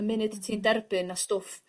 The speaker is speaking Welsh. ...y munud ti'n derbyn y stwff